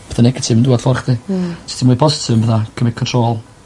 Pethe negatif yn dŵad for chdi. Hmm. os ti mwy positif yn bydda cymyd controle